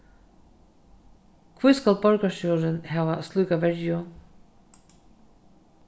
hví skal borgarstjórin hava slíka verju